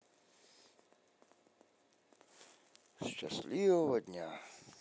счастливого дня